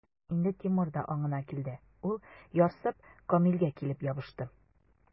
Инде Тимур да аңына килде, ул, ярсып, Камилгә килеп ябышты.